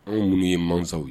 Anw mun ye mankansaw ye